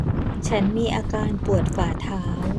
ฉันมีอาการปวดฝ่าเท้า